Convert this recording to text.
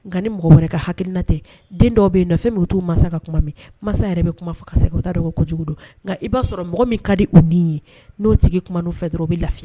Nka ni mɔgɔ wɛrɛ ka hakiina tɛ den dɔw bɛ na fɛn min t'u ka kuma min masa yɛrɛ bɛ kuma fɔ t ta ko jugu don nka i b'a sɔrɔ mɔgɔ min ka di u ni ye n'o tigi kuma' fɛ dɔrɔn u bɛ lafiye